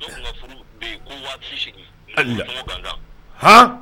tun ka furu bɛ ko hali gankan hɔn